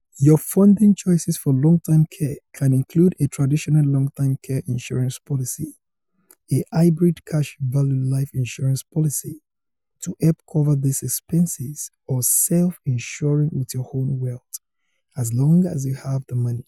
Your funding choices for long-term care can include a traditional long-term care insurance policy, a hybrid cash-value life insurance policy to help cover these expenses or self-insuring with your own wealth - as long as you have the money.